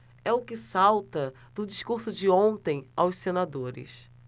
é o que salta do discurso de ontem aos senadores